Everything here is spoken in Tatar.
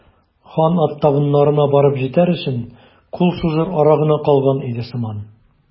Хан ат табыннарына барып җитәр өчен кул сузыр ара гына калган иде сыман.